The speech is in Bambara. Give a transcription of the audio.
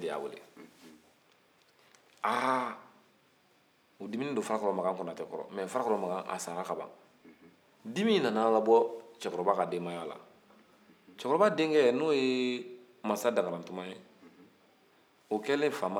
dimi in nana labɔ cɛkɔrɔba ka denbaya la cɛkɔrɔba denkɛ n'o ye masa dankaratuma o kɛlen ye fama ye